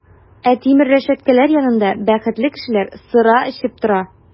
Ә тимер рәшәткәләр янында бәхетле кешеләр сыра эчеп тора!